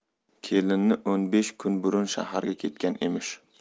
kelini o'n besh kun burun shaharga ketgan emish